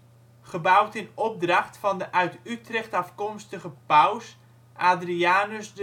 gebouwd in opdracht van de uit Utrecht afkomstige paus Adrianus